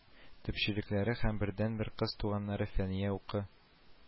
Төпчекләре һәм бердәнбер кыз туганнары Фәния укы